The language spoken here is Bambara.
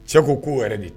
Cɛ ko k'o yɛrɛ de